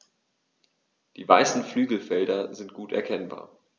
Die weißen Flügelfelder sind gut erkennbar.